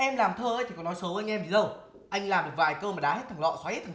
em làm thơ ý thì có nói xấu anh em gì đâu anh làm được vài câu mà đá hết thằng lọ xoáy